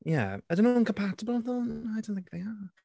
Ie, ydyn nhw'n compatible, ddo? Mm, I don't think they are.